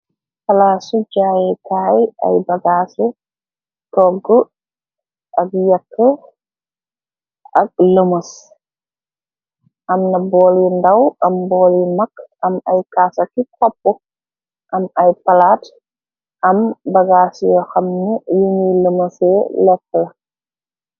Palaasu jaaye kaay ay bagaasu toggu ak yekke ak lëmës am na booli ndaw am bool yi mag am ay kaasi xopp am ay palaat am bagaas yo xamne yini lëma see lekk la.